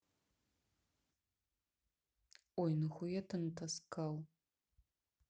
ой нахуя ты натаскал